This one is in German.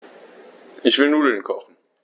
Ich will Nudeln kochen.